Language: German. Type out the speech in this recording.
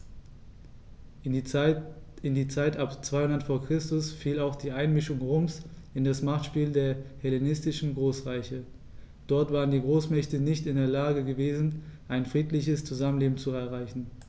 In die Zeit ab 200 v. Chr. fiel auch die Einmischung Roms in das Machtspiel der hellenistischen Großreiche: Dort waren die Großmächte nicht in der Lage gewesen, ein friedliches Zusammenleben zu erreichen.